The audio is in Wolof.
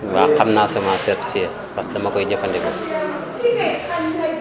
waaw xam naa semence certifiée parce que dama koy jëfandikoo